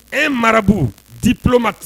E marabu di tuloma ten